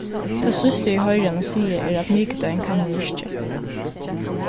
tað síðsta eg hoyri hana siga er at mikudagin kann hon ikki